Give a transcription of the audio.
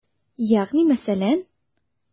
Ягъни мәсәлән?